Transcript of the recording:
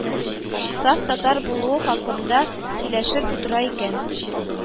Саф татар булуы хакында сөйләшеп утыра икән